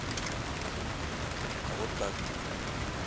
а вот так